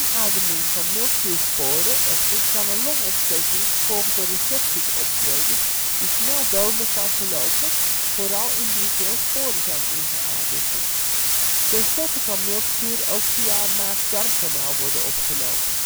inademing van miltvuursporen echter kan een longontsteking gevolgd door sepsis optreden die snel dodelijk kan verlopen, vooral indien veel sporen zijn ingeademd. Tenslotte kan miltvuur ook via het maagdarmkanaal worden opgelopen